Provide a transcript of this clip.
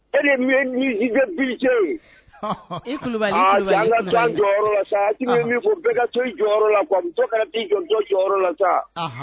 E ni bi ka taa jɔyɔrɔ la sa min ko bɛɛ ka to jɔyɔrɔ la ka jɔ jɔyɔrɔ la sa